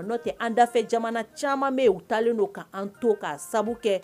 A n'o tɛ an dafɛ jamana caman bɛ yen u talen don'an to k' sabu kɛ